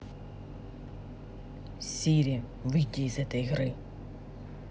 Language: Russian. сири выйди из этой игры